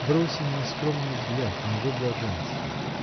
Бросим нескромный взгляд на его блаженство.